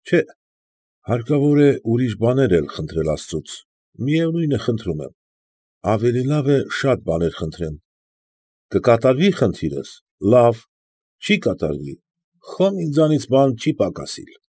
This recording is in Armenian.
Չէ, հարկավոր է ուրիշ բաներ էլ խնդրել աստծուց, միևնույնն է խնդրում եմ, ավելի լավ է շատ բաներ կխնդրեմ, կկատարվի խնդիրս ֊ լավ, չի կատարվի ֊ խոմ ինձանից մի բան չի պակսիլ»։